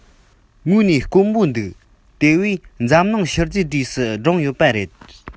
དངོས གནས དཀོན པོ འདུག དེ བས འཛམ གླིང ཤུལ རྫས གྲས སུ བསྒྲེངས ཡོད པ རེད